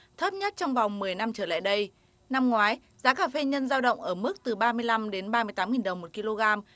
thấp nhất trong vòng mười năm trở lại đây năm ngoái giá cà phê nhân dao động ở mức từ ba mươi lăm đến ba mươi tám nghìn đồng một ki lô gam